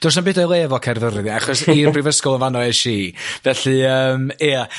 does 'na'mm byd o'i le efo Caerfyrddin achos i'r brifysgol yn fano esi felly ymm ia.